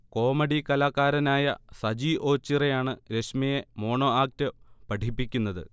comedy കലാകാരനായ സജി ഓച്ചിറയാണ് രശ്മിയെ മോണോ ആക്ട് പഠിപ്പിക്കുന്നത്